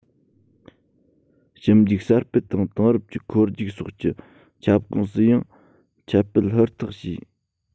ཞིབ འཇུག གསར སྤེལ དང དེང རབས ཀྱི འཁོར རྒྱུག སོགས ཀྱི ཁྱབ ཁོངས སུ ཡང ཁྱབ སྤེལ ཧུར ཐག བྱས